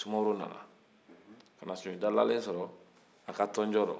sumaworo nana ka na sunjata dalen sɔrɔ a ka tɔnjɔ la